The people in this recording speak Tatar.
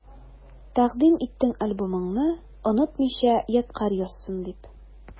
Тәкъдим иттең альбомыңны, онытмыйча ядкарь язсын дип.